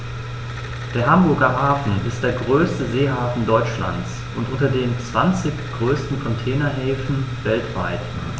Der Hamburger Hafen ist der größte Seehafen Deutschlands und unter den zwanzig größten Containerhäfen weltweit.